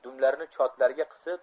dumlarini chotlariga qisib